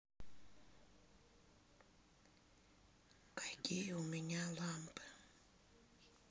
какие у меня лампы